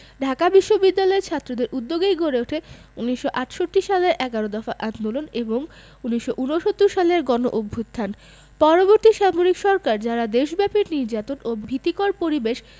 ঢাকা বিশ্ববিদ্যালয়ের ছাত্রদের উদ্যোগেই গড়ে উঠে ১৯৬৮ সালের এগারো দফা আন্দোলন এবং ১৯৬৯ সালের গণঅভ্যুত্থান পরবর্তী সামরিক সরকার সারা দেশব্যাপী নির্যাতন ও ভীতিকর পরিবেশ